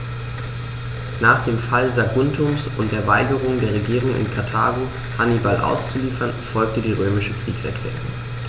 Nach dem Fall Saguntums und der Weigerung der Regierung in Karthago, Hannibal auszuliefern, folgte die römische Kriegserklärung.